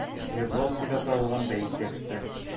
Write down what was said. Свердловскида табылган бәет тексты.